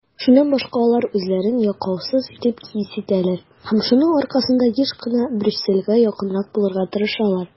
Шуннан башка алар үзләрен яклаусыз итеп хис итәләр һәм шуның аркасында еш кына Брюссельгә якынрак булырга тырышалар.